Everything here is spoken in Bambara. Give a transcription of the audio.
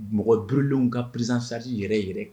Mɔgɔ brilen ka prizsari yɛrɛ yɛrɛ